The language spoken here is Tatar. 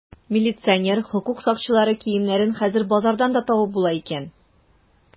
Милиционер, хокук сакчылары киемнәрен хәзер базардан да табып була икән.